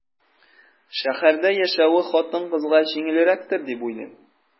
Шәһәрдә яшәве хатын-кызга җиңелрәктер дип уйлыйм.